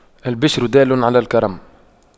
الْبِشْرَ دال على الكرم